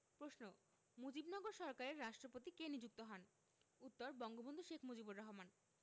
প্রশ্ন মুজিবনগর সরকারের রাষ্ট্রপতি কে নিযুক্ত হন উত্তর বঙ্গবন্ধু শেখ মুজিবুর রহমান